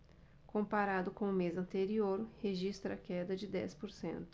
comparado com o mês anterior registra queda de dez por cento